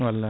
wallah